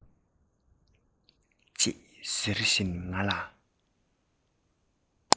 ཅེས ཟེར བཞིན ང ལ